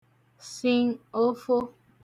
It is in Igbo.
si ofo